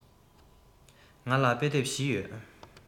ང ལ དཔེ དེབ བཞི ཡོད